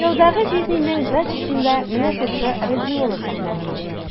Ижаудагы җизнинең дачасында менә шушы радиола сакланган.